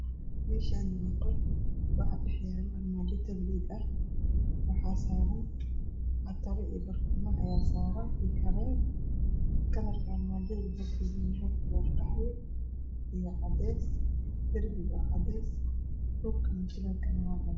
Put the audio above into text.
Meeshaani waa qol waxaa dhex yaalo armaajo tawleed ah waxaa saaran cataro iyo baraafuuman ayaa saaran iyo kareem kalarka armaajada waxuu yahay qaxwi iyo cadeys darbiga waa cadeys dhul kuna waa mutuleel.